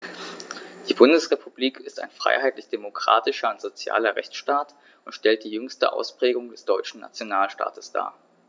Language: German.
Die Bundesrepublik ist ein freiheitlich-demokratischer und sozialer Rechtsstaat[9] und stellt die jüngste Ausprägung des deutschen Nationalstaates dar.